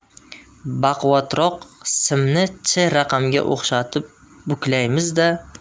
baquvvatroq simni ch raqamga o'xshatib buklaymizda